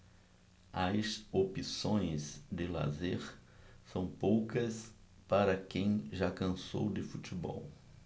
as opções de lazer são poucas para quem já cansou de futebol